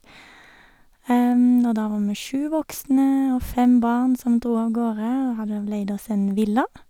Og da var vi sju voksne og fem barn som dro avgårde og hadde leid oss en villa.